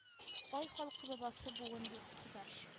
Ай халкы бабасы буын кодаш